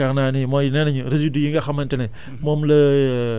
batey tamit dañuy ñëw ci yaakaar naa ni mooy nee nañ résidus yi nga xamante ne